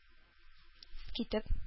Китеп